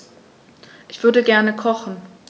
Ich würde gerne kochen.